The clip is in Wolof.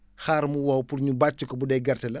xaar mu wow pour ñu bàcc ko bu dee gerte la